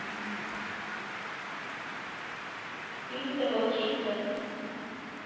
ильза волчица сс